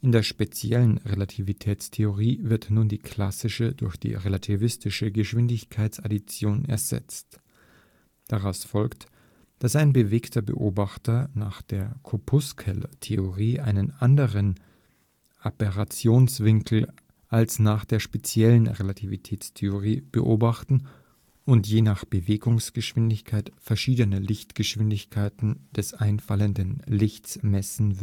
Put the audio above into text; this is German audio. der speziellen Relativitätstheorie wird nun die klassische durch die relativistische Geschwindigkeitsaddition ersetzt. Daraus folgt, dass ein bewegter Beobachter nach der Korpuskeltheorie einen anderen Aberrationswinkel als nach der speziellen Relativitätstheorie beobachten und je nach Bewegungsgeschwindigkeit verschiedene Lichtgeschwindigkeiten des einfallenden Lichts messen